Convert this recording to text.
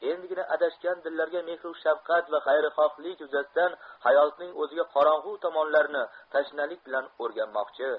endigina adashgan dillarga mehru shafqat va xayrixohlik yuzasidan hayotning o'ziga qorong'u tomonlarini tashnalik bilan o'rganmoqchi